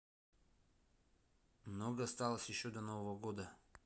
много осталось еще до нового года